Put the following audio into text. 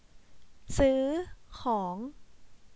ซื้อของ